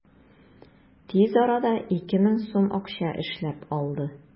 Тиз арада 2000 сум акча эшләп алды.